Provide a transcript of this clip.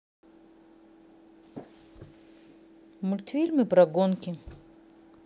мультфильмы про гонки